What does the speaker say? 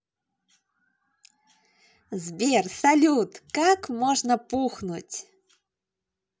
сбер салют как можно пухнуть